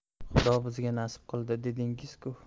xudo bizga nasib qildi dedingiz ku